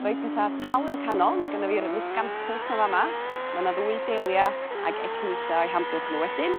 roid petha tal yn y canol ma' gynno fi'r miscanthus 'ma fa' 'ma. Ma' 'na ddwy dahlia ag echinacea o'u hamgylch n'w wedyn.